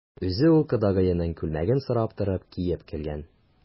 Үзе ул кодагыеның күлмәген сорап торып киеп килгән.